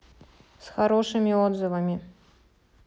с хорошими отзывами